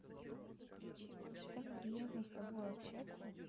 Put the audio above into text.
так приятно с тобой общаться